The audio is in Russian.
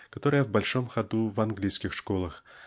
которые в большом ходу в английских школах